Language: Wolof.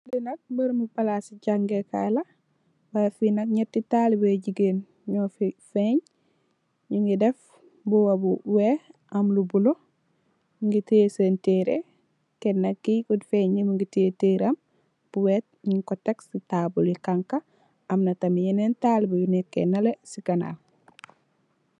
Fi nak barabi palasi jangèè kai, fi nak ñénti talibeh jigeen ñu fi feeñ, ñu ngi dèf mbuba bu wèèx am lu bula, ñu ngi teyeh sèèn teré, Kenna ku feeñ ni mugi teyeh teré am bu wèèx ñing ko tèk ci tabull li xanxa. Am na tam yenen talibeh yu nèkka ci ganaw.